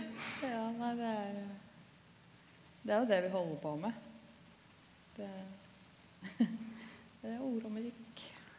ja nei det er det er jo det vi holder på med det det er ord og musikk.